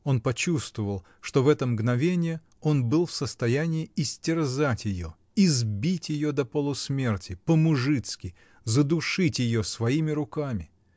он почувствовал, что в это мгновенье он был в состоянии истерзать ее, избить ее до полусмерти, по-мужицки, задушить ее своими руками.